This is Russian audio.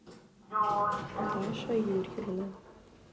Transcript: даша юрьевна